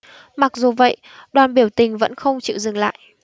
mặc dù vậy đoàn biểu tình vẫn không chịu dừng lại